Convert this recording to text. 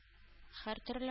Һәртөрле